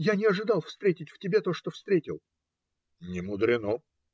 - Я не ожидал встретить в тебе то, что встретил. - Немудрено